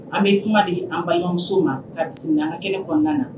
A be kuma di an balimamuso ma. Kabisimila an ka kɛnɛ kɔnɔna na.